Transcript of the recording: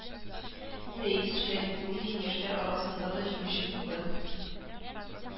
Рәис Шәрифуллин яшьләр арасында да җиңүче булды